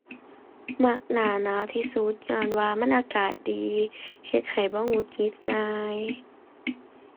มักหน้าหนาวที่สุด ญ้อนว่ามันอากาศดี เฮ็ดให้บ่หงุดหงิดง่าย